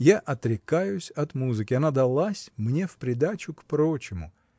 Я отрекаюсь от музыки — она далась мне в придачу к прочему.